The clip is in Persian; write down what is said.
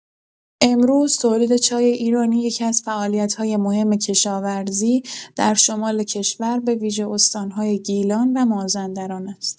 امروز تولید چای ایرانی یکی‌از فعالیت‌های مهم کشاورزی در شمال کشور به‌ویژه استان‌های گیلان و مازندران است.